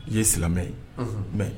I ye silamɛmɛ ye mɛ ye